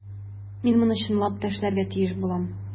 Мин моны чынлап та эшләргә тиеш булам.